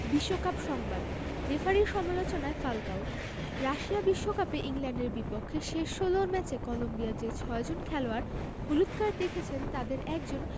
বিশ্বকাপ সংবাদ রেফারির সমালোচনায় ফ্যালকাও রাশিয়া বিশ্বকাপে ইংল্যান্ডের বিপক্ষে শেষ ষোলোর ম্যাচে কলম্বিয়ার যে ছয়জন খেলোয়াড় হলুদ কার্ড দেখেছেন তাদের একজন